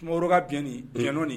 Sumaworo ka biɲɛ nin, bɛɲɛnɔ nin